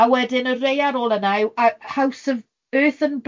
A wedyn y rhai ar ôl yna yw House of Earth and